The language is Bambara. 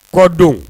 Kɔ don